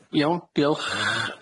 Iawn, diolch.